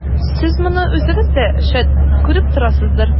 Сез моны үзегез дә, шәт, күреп торасыздыр.